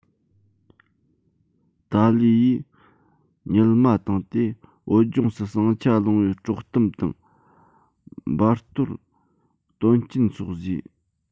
ཏཱ ལའི ཡིས ཉུལ མ བཏང སྟེ བོད ལྗོངས སུ ཟིང ཆ སློང བའི དཀྲོག གཏམ དང འབར གཏོར དོན རྐྱེན སོགས བཟོས